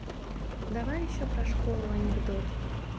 давай еще про школу анекдот